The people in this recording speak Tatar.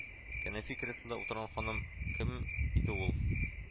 — кәнәфи-креслода утырган ханым кем иде ул